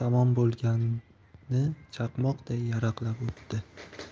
bo'lgani chaqmoqday yaraqlab o'tdi